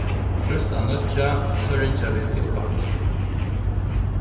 trýst á níggju so ringja vit teg uppaftur